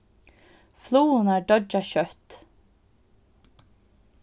flugurnar doyggja skjótt